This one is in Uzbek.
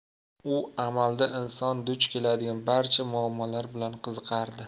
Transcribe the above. u amalda inson duch keladigan barcha muammolar bilan qiziqardi